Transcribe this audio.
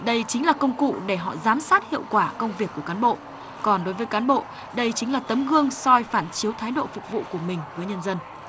đây chính là công cụ để họ giám sát hiệu quả công việc của cán bộ còn đối với cán bộ đây chính là tấm gương soi phản chiếu thái độ phục vụ của mình với nhân dân